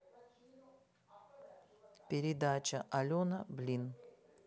передача алена блин